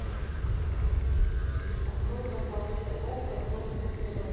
открой пожалуйста окко точка тв